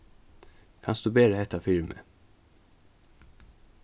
kanst tú bera hetta fyri meg